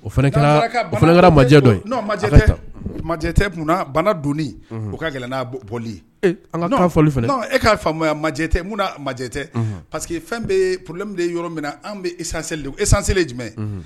Ojɛdɔ n'o ma ma kun bana don u ka gɛlɛn boli an ka fɔli e k'a faamuya ma matɛ paseke que fɛn bɛ porolenme de yɔrɔ min na an bɛsans don esan selen jumɛn